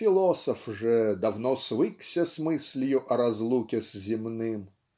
Философ же давно свыкся с мыслью о разлуке с земным.